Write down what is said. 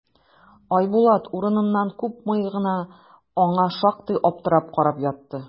Айбулат, урыныннан купмый гына, аңа шактый аптырап карап ятты.